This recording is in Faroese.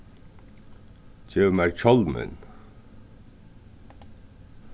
gev mær hjálmin